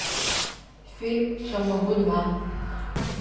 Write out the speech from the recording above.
фильм все могу два